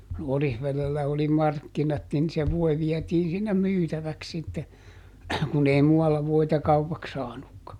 Orivedellä oli markkinat niin se voi vietiin sinne myytäväksi sitten kun ei muualla voita kaupaksi saanutkaan